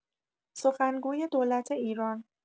سخنگوی دولت ایران